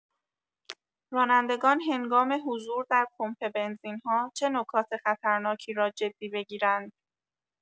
رانندگان هنگام حضور در پمپ بنزین‌ها چه نکات خطرناکی را جدی بگیرند؟